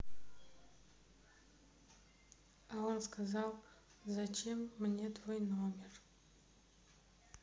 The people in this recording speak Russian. а он сказал зачем мне твой номер